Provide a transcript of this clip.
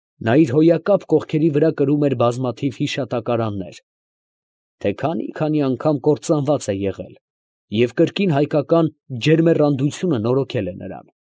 Նա իր հոյակապ կողքերի վրա կրում էր բազմաթիվ հիշատակարաններ, թե քանի՜֊քանի՜ անգամ կործանված է եղել, և կրկին հայկական ջերմեռանդությունը նորոգել է նրան։